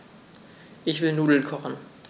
Ich will Nudeln kochen.